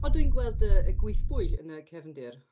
O dwi'n gweld y y gwyddbwyll yn y cefndir.